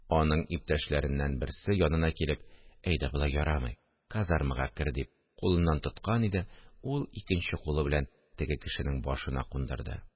Аның иптәшләреннән берсе, янына килеп: – Әйдә, болай ярамый, казармага кер, – дип, кулыннан тоткан иде, ул икенче кулы белән теге кешенең башына кундырды